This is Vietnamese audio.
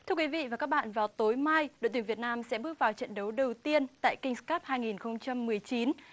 thưa quý vị và các bạn vào tối mai đội tuyển việt nam sẽ bước vào trận đấu đầu tiên tại kinh cắp hai nghìn không trăm mười chín